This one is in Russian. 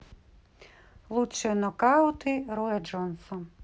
лучшие нокауты роя джонса